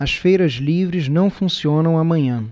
as feiras livres não funcionam amanhã